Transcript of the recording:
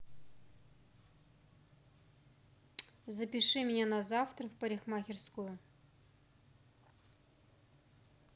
запиши меня на завтра в парикмахерскую